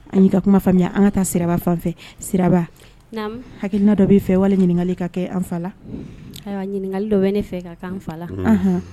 An y'i ka kuma faamuya , an ka taa siraba fan fɛ , Sira , Naamu, hakilina dɔ bɛ i fɛ wali ɲininkali ka kɛ an fa la ayiwa ɲininkali dɔ bɛ ne fɛ ka kɛ an fa